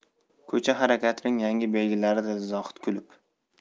ko'cha harakatining yangi belgilari dedi zohid kulib